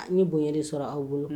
Ni bonya de sɔrɔ a bolo